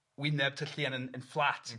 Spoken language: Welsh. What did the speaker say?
wyneb tylluan yn yn fflat... Yndi...